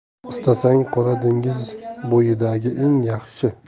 istasang qora dengiz bo'yidagi eng yaxshi